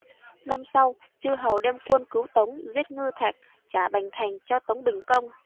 năm sau chư hầu đem quân cứu tống giết ngư thạch trả bành thành cho tống bình công